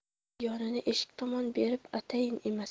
yonini eshik tomon berib atayin emas